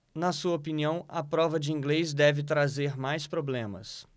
na sua opinião a prova de inglês deve trazer mais problemas